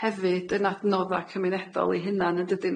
hefyd yn adnodda cymunedol 'i hunan yn dydi?